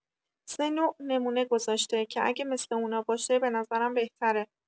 سه نوع نمونه گذاشته که اگه مثه اونا باشه به نظرم بهتره